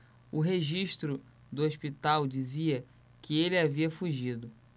o registro do hospital dizia que ele havia fugido